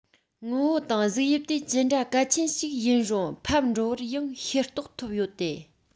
ངོ བོ དང གཟུགས དབྱིབས དེ ཅི འདྲ གལ ཆེན ཞིག ཡིན རུང ཕམ འགྲོ བར ཡང ཤེས རྟོགས ཐོབ ཡོད དེ